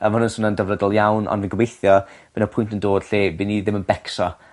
a ma' 'wn yn swno'n delfrydol iawn ond fi'n gobeithio bo' 'na pwynt yn dod lle by' ni ddim yn becs